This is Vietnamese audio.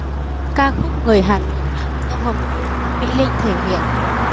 ca khúc người hà nội do hồng nhung mỹ linh thể hiện